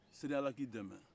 sani ala k'i dɛmɛ